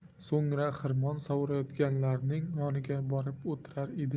so'ngra xirmon sovurayotganlarning yoniga borib o'tirar edi